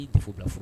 I'i tɛ fo bila fɔ